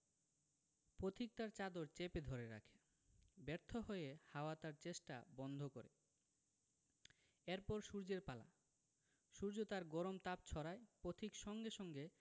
পথিক তার চাদর চেপে ধরে রাখে ব্যর্থ হয়ে হাওয়া তার চেষ্টা বন্ধ করে এর পর সূর্যের পালা সূর্য তার গরম তাপ ছড়ায় পথিক সঙ্গে সঙ্গে